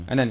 anani